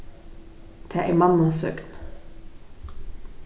tað er manna søgn